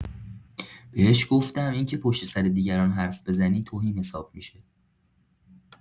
بهش گفتم اینکه پشت‌سر دیگران حرف بزنی، توهین حساب می‌شه.